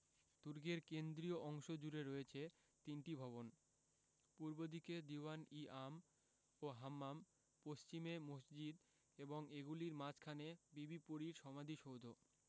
দুর্গের কেন্দ্রীয় অংশ জুড়ে রয়েছে তিনটি ভবন পূর্ব দিকে দীউয়ান ই আম ও হাম্মাম পশ্চিমে মসজিদ এবং এগুলির মাঝখানে বিবি পরীর সমাধিসৌধ